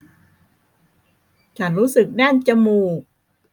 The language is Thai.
ฉันรู้สึกแน่นจมูก